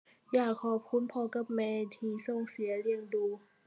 อยากขอบคุณพ่อกับแม่ที่ส่งเสียเลี้ยงดู